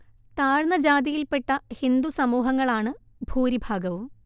താഴ്ന്ന ജാതിയിൽ പെട്ട ഹിന്ദു സമൂഹങ്ങളാണ് ഭൂരിഭാഗവും